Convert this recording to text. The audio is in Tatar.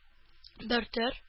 Бертөр